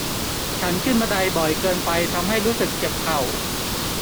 ฉันขึ้นบันไดบ่อยเกินไปทำให้รู้สึกเจ็บเข่า